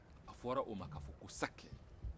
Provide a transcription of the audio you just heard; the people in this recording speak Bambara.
a fɔra o ma ka fɔ ko sake